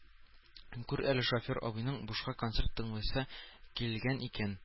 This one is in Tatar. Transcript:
Күр әле, шофер абыйның бушка концерт тыңлыйсы килгән икән